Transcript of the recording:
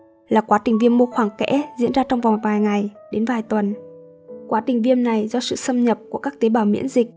là quá trình viêm mô khoảng kẽ diễn ra trong vài ngày đến vài tuần quá trình viêm này do sự xâm nhập của các tế bào miễn dịch